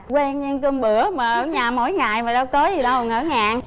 quen như ăn cơm bữa mà ở nhà mỗi ngày mà đâu có gì đâu mà ngỡ ngàng